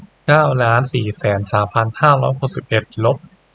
เก้าล้านสี่แสนสามพันห้าร้อยหกสิบเอ็ดลบ